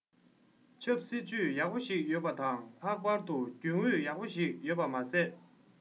ཆབ སྲིད ཅུད ཡག པོ ཞིག ཡོད ཞིག ཡོད པ དང ལྷག པར དུ རྒྱུན ཨུད ཡག པོ ཞིག ཡོད པ མ ཟད